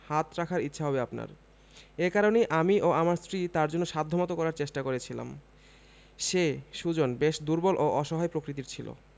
হাত রাখার ইচ্ছা হবে আপনার এ কারণেই আমি ও আমার স্ত্রী তাঁর জন্য সাধ্যমতো করার চেষ্টা করেছিলাম সে সুজন বেশ দুর্বল ও অসহায় প্রকৃতির ছিল